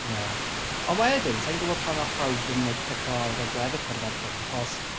Ie, ond wedyn sa i'n gwybod pam wnaeth pawb ddim like pico ar gweddill o'r merched achos...